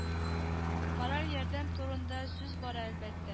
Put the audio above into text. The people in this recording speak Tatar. Мораль ярдәм турында сүз бара әлбәттә